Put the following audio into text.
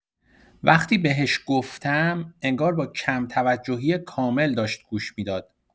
وقتی بهش گفتم، انگار با کم‌توجهی کامل داشت گوش می‌داد.